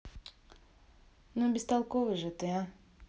ну бестолковые же ты